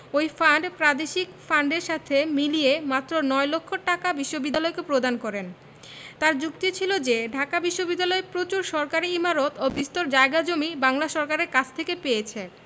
ওই ফান্ড প্রাদেশিক ফান্ডের সাথে মিলিয়ে মাত্র নয় লক্ষ টাকা বিশ্ববিদ্যালয়কে প্রদান করেন তাঁর যুক্তি ছিল যে ঢাকা বিশ্ববিদ্যালয় প্রচুর সরকারি ইমারত ও বিস্তর জায়গা জমি বাংলা সরকারের কাছ থেকে পেয়েছে